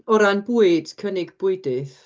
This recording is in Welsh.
O ran bwyd, cynnig bwydydd?